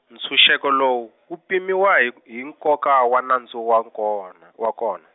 ntshunxeko lowu, wu pimiwa hi k-, hi nkoka wa nandzu wa nkona- wa kona.